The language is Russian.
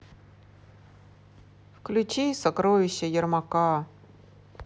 включи сокровища ермака